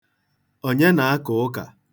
Onye na-aka ụka?